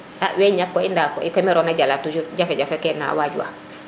a we ñak koy nda koy ke merona jala toujours jafe jafe ka waj wa